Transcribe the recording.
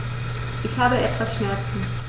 Ich habe etwas Schmerzen.